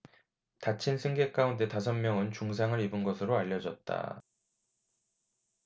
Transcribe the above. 다친 승객 가운데 다섯 명은 중상을 입은 것으로 알려졌다